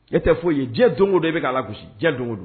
Ne tɛ foyi ye jɛ don o don i bɛ' la gosi jɛ don o don